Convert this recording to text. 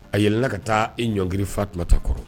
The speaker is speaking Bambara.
A yɛlɛla ka taa i ɲɔngiririfa tunta kɔrɔ